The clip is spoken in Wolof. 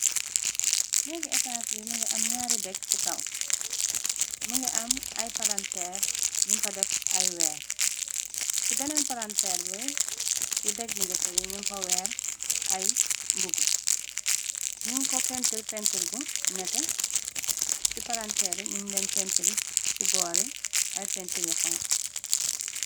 neegi étaas bi mi nga am ñaari dekg ci kaw më nga am ay palanteer ñum fa def ay weer ci beneen palanteer bi ci deg bi jëkka bi ñum fa weer ay bubb ñuñ ko pentir pentir bu nete ci palanteeri ñuñ leen pentir ci boori ay pentiryi xonk